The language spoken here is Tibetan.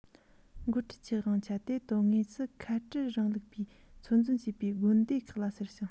འགོ ཁྲིད ཀྱི དབང ཆ དེ དོན དངོས སུ ཁ བྲལ རིང ལུགས པས ཚོད འཛིན བྱས པའི དགོན སྡེ ཁག ལ ཟེར ཞིང